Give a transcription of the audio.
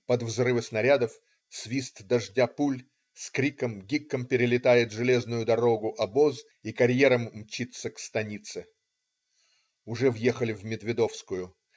Под взрывы снарядов, свист дождя пуль, с криком, гиком перелетает железную дорогу обоз и карьером мчится к станице. Уже въехали в Медведовскую.